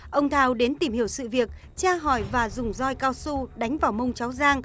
ông thao đến tìm hiểu sự việc tra hỏi và dùng doi cao su đánh vào mông cháu giang